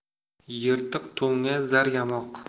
yirtiq to'nga zar yamoq